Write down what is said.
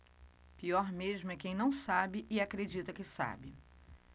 pior mesmo é quem não sabe e acredita que sabe